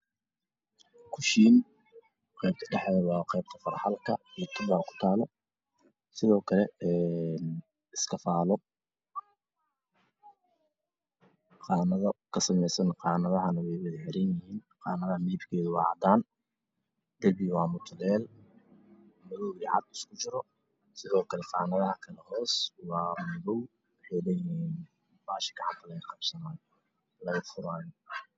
Kushiin qeybta dhaxda wa qeybta farxaqlka Tuba ku taalo Sidokle ee iskafaalo qaanado ka sameysn qaanadahana wey wada xiranyihiin qanadaha midabkoda waa cadan darbiga wa mutaleel madow iyo cad isku jiro sidokle qandaha hos wa madow waxey leyihiin bahasha gacanta lgu qabsnyo laga furayo